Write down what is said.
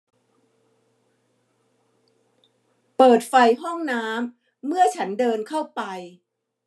เปิดไฟห้องน้ำเมื่อฉันเดินเข้าไป